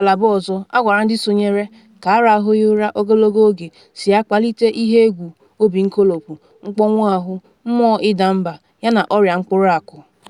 Na ngalaba ọzọ, agwara ndị sonyere ka arahụghị ụra ogologo oge siri akpalite ihe egwu obi nkolopu, mkpọnwu ahụ, mmụọ ịda mba yana oria mkpụrụ akụ.